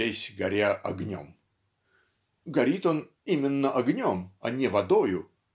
весь горя огнем" (горит он именно огнем а не водою